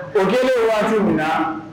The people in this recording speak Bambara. O kɛlen waati min na